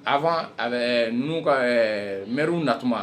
A bɛ n' ka mriw natuma